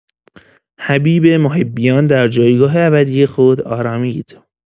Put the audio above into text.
حبیب محبیان در جایگاه ابدی خود آرامید.